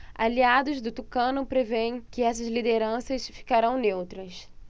aliados do tucano prevêem que essas lideranças ficarão neutras